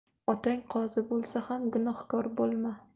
otang qozi bo'lsa ham gunohkor bo'lma